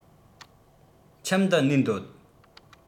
ཁྱིམ དུ གནས འདོད